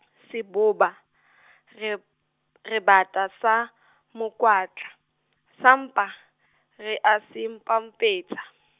seboba , re, re bata sa, mokwatla, sa mpa, re a se mpampetsa.